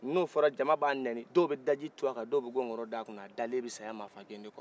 n'o fɔra jama b'a neni dɔw bɛ daji tu a kan dɔw bɛ gɔngɔrɔ d'a kun na a dalen bɛ saya maa faa gede kɔrɔ